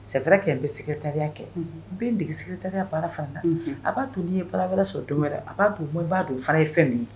Sɛgɛkɛ n bɛ se kataya kɛ bin degesɛ kataya baara fan na a b'a to n' ye baara sɔrɔ don wɛrɛ a b'a i b'a don fara ye fɛn min ye